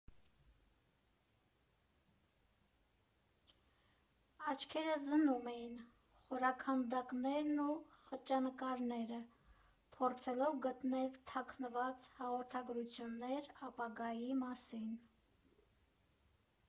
Աչքերս զննում էին խորաքանդակներն ու խճանկարները՝ փորձելով գտնել թաքնված հաղորդագրություններ ապագայի մասին։